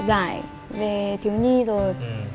giải về thiếu nhi rồi